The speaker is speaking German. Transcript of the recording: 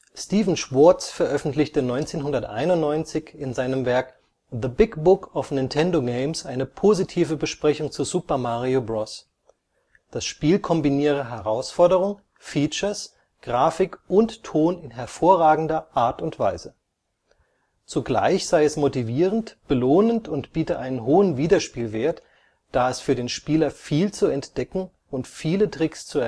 Steven A. Schwartz veröffentlichte 1991 in seinem Werk The Big Book of Nintendo Games eine positive Besprechung zu Super Mario Bros. Das Spiel kombiniere Herausforderung, Features, Grafik und Ton in hervorragender Art und Weise. Zugleich sei es motivierend, belohnend und biete einen hohen Wiederspielwert, da es für den Spieler viel zu entdecken und viele Tricks zu